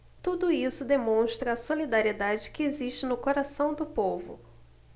tudo isso demonstra a solidariedade que existe no coração do povo